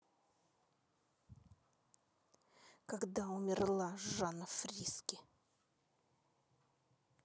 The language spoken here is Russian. когда умерла жанна фриске